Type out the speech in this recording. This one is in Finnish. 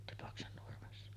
Tipaksen Nurmessa